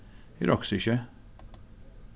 eg roksi ikki